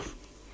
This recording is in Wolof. Ndiob waa